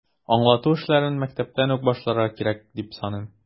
Аңлату эшләрен мәктәптән үк башларга кирәк, дип саныйм.